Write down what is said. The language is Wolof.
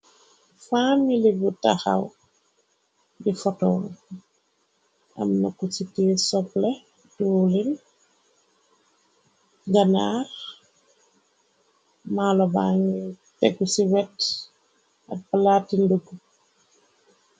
Faamili bu taxaw bi foton am na ku ciki sopleh, dewlin ganaar malobangi tegu ci wet ak palaati nduggu.